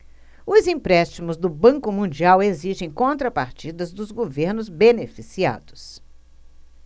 os empréstimos do banco mundial exigem contrapartidas dos governos beneficiados